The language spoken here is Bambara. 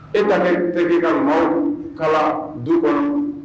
E na kɛ terikɛ ka maaw kalan du kɔnɔ